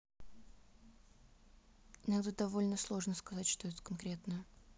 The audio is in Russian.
иногда довольно сложно сказать что это конкретное